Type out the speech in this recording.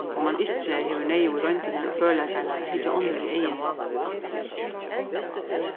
og mann ikki hevur neyðugu royndirnar og førleikarnar at hyggja onnur í eyguni